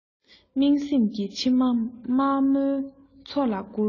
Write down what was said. སྨྲེངས སེམས ཀྱི མཆི མ དམའ མོའི མཚོ ལ བསྐུར